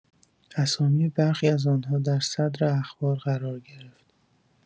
اسامی برخی از آنها در صدر اخبار قرار گرفت.